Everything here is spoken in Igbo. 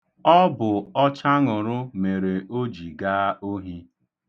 Ọ bụ ọchaṅụrụ mere o ji gaa ohi.